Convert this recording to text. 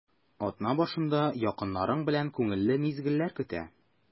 Атна башында якыннарың белән күңелле мизгелләр көтә.